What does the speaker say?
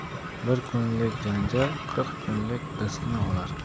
bir kunlik janjal qirq kunlik rizqni olar